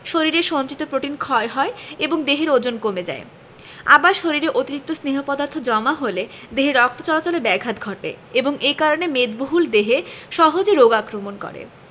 শরীরের সঞ্চিত প্রোটিন ক্ষয় হয় এবং দেহের ওজন কমে যায় আবার শরীরে অতিরিক্ত স্নেহ পদার্থ জমা হলে দেহে রক্ত চলাচলে ব্যাঘাত ঘটে এবং এ কারণে মেদবহুল দেহে সহজে রোগ আক্রমণ করে